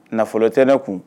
Nafolo tɛ ne kun